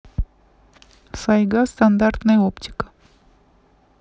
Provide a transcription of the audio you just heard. сайга стандартная оптика